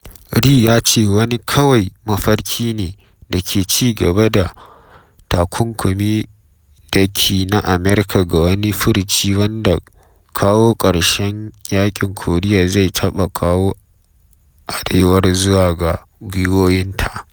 Ri ya ce wani kawai “mafarki ne” da ke ci gaba da takunkumi da ki na Amurka ga wani furuci wanda kawo ƙarshen Yaƙin Koriya zai taɓa kawo Arewar zuwa ga gwiwowinta.